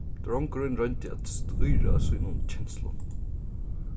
drongurin royndi at stýra sínum kenslum